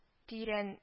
Тирән